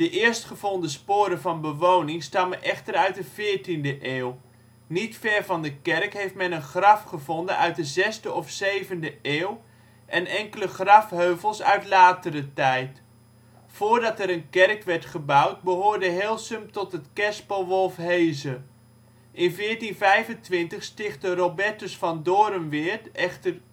eerstgevonden sporen van bewoning stammen echter uit de 14de eeuw. Niet ver van de kerk heeft men een graf gevonden uit de 6de of 7de eeuw en enkele grafheuvels uit latere tijd. Voordat er een kerk werd gebouwd behoorde Heelsum tot het kerspel Wolfheze. In 1425 stichtte Robertus van Dorenweert echter